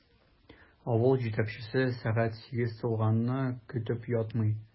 Авыл җитәкчесе сәгать сигез тулганны көтеп ятмый.